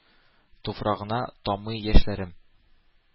Туфрагына таммый яшьләрем.